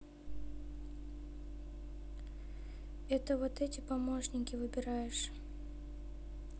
это вот эти помощники выбираешь